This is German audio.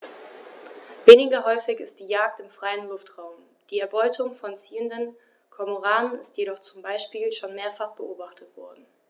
Weniger häufig ist die Jagd im freien Luftraum; die Erbeutung von ziehenden Kormoranen ist jedoch zum Beispiel schon mehrfach beobachtet worden.